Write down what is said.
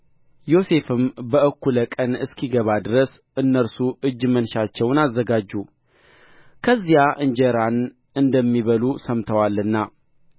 ዮሴፍም በእኩለ ቀን እስኪገባ ድረስ እነርሱ እጅ መንሻቸውን አዘጋጁ ከዚያ እንጀራን እንደሚበሉ ሰምተዋልና